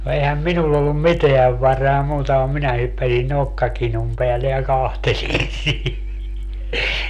no eihän minulla ollut mitään varaa muuta vaan minä hyppäsin nokkakinun päälle ja katselin -